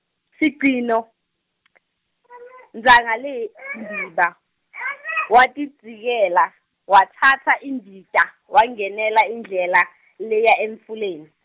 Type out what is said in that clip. sigcino , Tsangalembiba, watidzikela, watsatsa imbita, wangenela indlela, leya emfuleni.